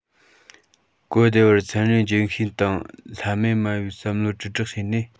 གོ བདེ བར ཚན རིག རྒྱུན ཤེས དང ལྷ མེད སྨྲ བའི བསམ བློ དྲིལ བསྒྲགས བྱས ནས